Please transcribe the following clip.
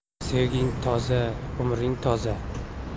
sevging toza umring toza